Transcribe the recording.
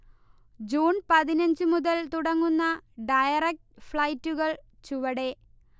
June പതിനഞ്ച് മുതൽ തുടങ്ങുന്ന ഡയറക്ട് ഫൈളൈറ്റുകൾ ചുവടെ